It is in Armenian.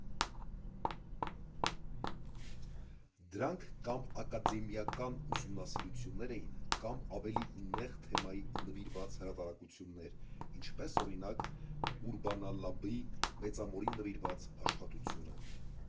Դրանք կամ ակադեմիական ուսումնասիրություններ էին, կամ ավելի նեղ թեմայի նվիրված հրատարակություններ, ինչպես, օրինակ՝ ուրբանլաբի՝ Մեծամորին նվիրված աշխատությունը։